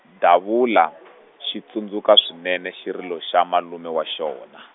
Davula , xi tsundzuka swinene xirilo xa malume wa xona.